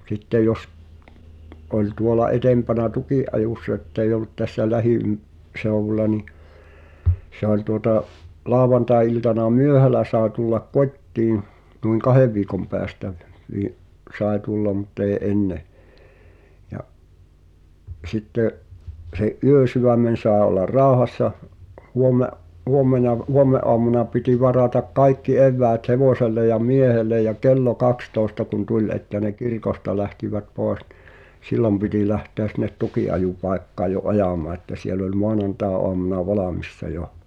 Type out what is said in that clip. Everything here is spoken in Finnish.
sitten jos oli tuolla edempänä tukinajossa että ei ollut tässä - lähiseudulla niin se oli tuota lauantai-iltana myöhällä sai tulla kotiin noin kahden viikon päästä - sai tulla mutta ei ennen ja sitten sen yösydämen sai olla rauhassa - huomenna huomenaamuna piti varata kaikki eväät hevoselle ja miehelle ja kello kaksitoista kun tuli että ne kirkosta lähtivät pois niin silloin piti lähteä sinne tukinajopaikkaan jo ajamaan että siellä oli maanantaiaamuna valmiina jo